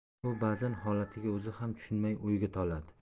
u ba'zan holatiga o'zi ham tushunmay o'yga toladi